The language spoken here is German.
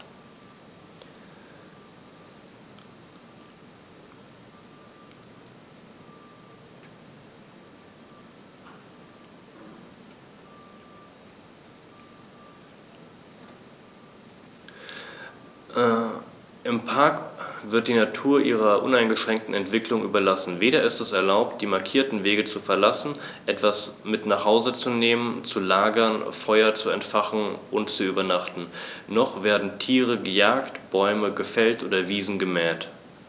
Im Park wird die Natur ihrer uneingeschränkten Entwicklung überlassen; weder ist es erlaubt, die markierten Wege zu verlassen, etwas mit nach Hause zu nehmen, zu lagern, Feuer zu entfachen und zu übernachten, noch werden Tiere gejagt, Bäume gefällt oder Wiesen gemäht.